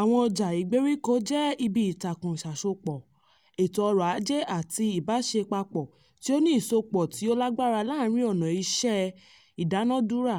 Àwọn ọjà ìgbèríko jẹ́ ibi ìtakùnṣàsopọ̀ ètò ọrọ̀-ajé àti ìbáṣe papọ̀ tí ó ní ìsopọ̀ tí ó lágbára láàárín ọ̀nà ìṣe ìdúnàádúrà